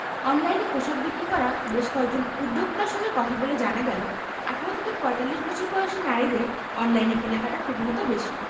অনলাইনে পোশাক বিক্রি করা বেশ কয়েকজন উদ্যোক্তার সঙ্গে কথা বলে জানা গেল ১৮ থেকে ৪৫ বছর বয়সী নারীদের অনলাইনে কেনাকাটার প্রবণতা বেশি